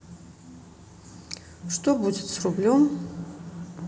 что будет с рублем